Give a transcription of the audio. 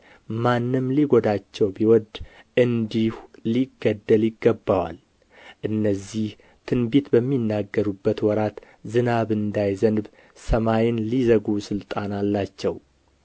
ማንም ሊጐዳቸው ቢወድም እንዲሁ ሊገደል ይገባዋል እነዚህ ትንቢት በሚናገሩበት ወራት ዝናብ እንዳይዘንብ ሰማይን ሊዘጉ ሥልጣን አላቸው